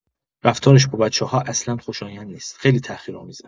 رفتارش با بچه‌ها اصلا خوشایند نیست، خیلی تحقیرآمیزه.